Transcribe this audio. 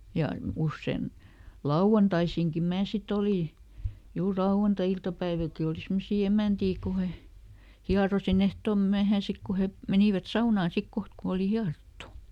ja usein lauantaisinkin minä sitten olin juuri lauantai-iltapäivilläkin oli semmoisia emäntiä kun he hieroin ehtoon myöhään sitten kun he menivät saunaan sitten kohta kun oli hierottu